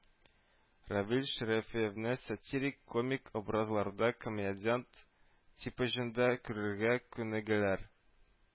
Равил Шәрәфиевне сатирик, комик образларда комедиант типажында күрергә күнегеләр